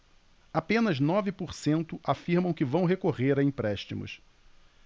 apenas nove por cento afirmam que vão recorrer a empréstimos